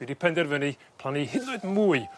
dwi 'di penderfynu plannu hyd yn oed mwy